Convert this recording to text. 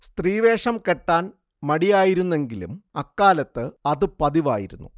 സ്ത്രീവേഷം കെട്ടാൻ മടിയായിരുന്നെങ്കിലും അക്കാലത്ത് അതു പതിവായിരുന്നു